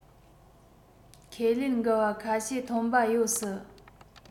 ཁས ལེན འགལ བ ཁ ཤས ཐོན པ ཡོད སྲིད